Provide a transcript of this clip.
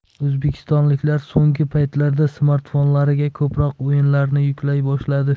o'zbekistonliklar so'nggi paytlarda smartfonlariga ko'proq o'yinlarni yuklay boshladi